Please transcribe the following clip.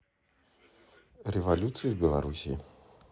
революция в белоруссии